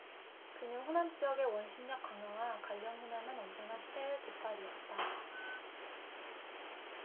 그는 호남지역의 원심력 강화와 관련 호남은 언제나 시대의 깃발이었다